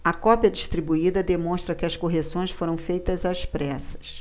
a cópia distribuída demonstra que as correções foram feitas às pressas